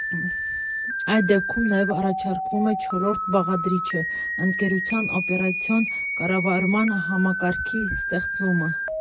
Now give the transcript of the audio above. Այդ դեպքում նաև առաջարկվում է չորրորդ բաղադրիչը՝ ընկերության օպերացիոն կառավարման համակարգի ստեղծումը։